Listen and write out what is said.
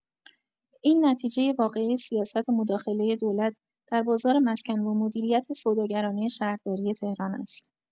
این نتیجۀ واقعی سیاست مداخلۀ دولت در بازار مسکن و مدیریت سوداگرانه شهرداری تهران است.